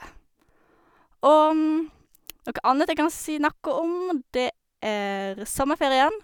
Og noe annet jeg kan si nakke om, det er sommerferien.